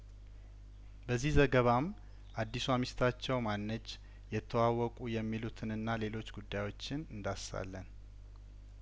በዚህ ዘገባም አዲሷ ሚስታቸው ማነች የት ተዋወቁ የሚሉትንና ሌሎች ጉዳዮችን እንዳስሳለን